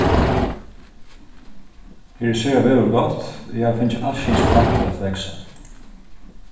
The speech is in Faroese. her er sera veðurgott og eg havi fingið alskyns plantur at vaksa